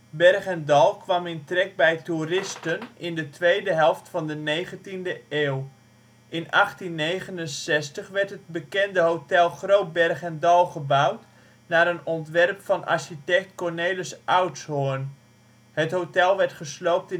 Berg en Dal kwam in trek bij toeristen in de tweede helft van de 19e eeuw. In 1869 werd het bekende hotel Groot Berg en Dal gebouwd naar een ontwerp van architect Cornelis Outshoorn. Het hotel werd gesloopt